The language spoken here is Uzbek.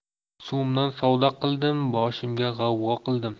so'mdan savdo qildim boshimga g'avg'o qildim